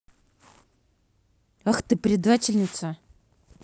ах ты предательница